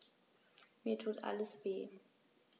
Mir tut alles weh.